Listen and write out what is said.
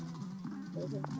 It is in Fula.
eyyi kayi